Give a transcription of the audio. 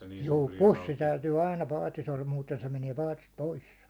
juu pussi täytyy aina paatissa olla muuten se menee paatista pois